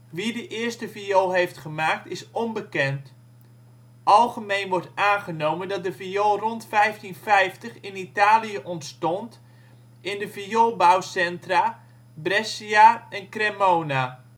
Wie de eerste viool heeft gemaakt is onbekend. Algemeen wordt aangenomen dat de viool rond 1550 in Italië ontstond in de vioolbouwcentra Brescia en Cremona